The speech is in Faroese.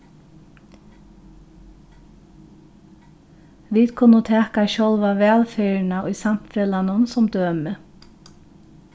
vit kunnu taka sjálva vælferðina í samfelagnum sum dømi